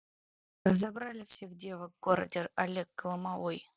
разобрали всех девок в городе олег ломовой